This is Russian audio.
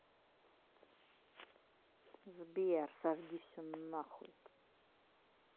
сбер сожги все нахуй